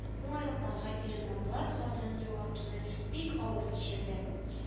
Уңайлыкларга өйрәнгән булат хатынын югалтуны бик авыр кичерде